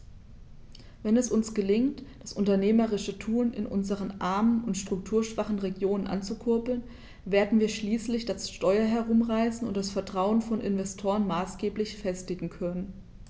Wenn es uns gelingt, das unternehmerische Tun in unseren armen und strukturschwachen Regionen anzukurbeln, werden wir schließlich das Steuer herumreißen und das Vertrauen von Investoren maßgeblich festigen können.